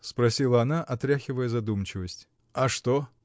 — спросила она, отряхивая задумчивость. — А что?